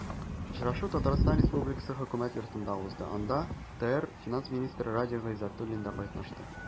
Очрашу Татарстан Республикасы Хөкүмәт Йортында узды, анда ТР финанс министры Радик Гайзатуллин да катнашты.